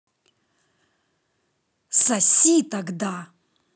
соси тогда